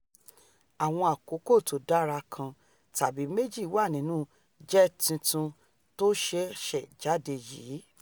Àwọn àkókò tódára kan tàbi méjì wá nínú JE tuntun tóṣẹ̀ṣẹ̀ jáde yìí.